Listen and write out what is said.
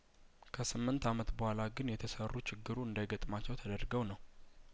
ከስምንት አመት በኋላ ግን የተሰሩ ችግሩ እንዳይገጥማቸው ተደርገው ነው